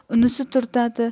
unisi turtadi